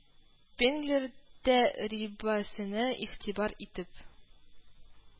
Пенглер тә рибасенә игътибар итеп